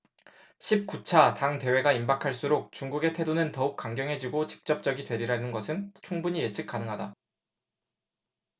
십 구 차 당 대회가 임박할수록 중국의 태도는 더욱 강경해지고 직접적이 되리리라는 것은 충분히 예측 가능하다